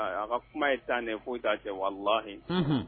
A ka kuma ye 10 de ye foyi t' a jɛ walalahi unhun.